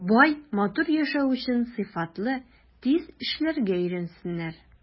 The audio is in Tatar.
Бай, матур яшәү өчен сыйфатлы, тиз эшләргә өйрәнсеннәр.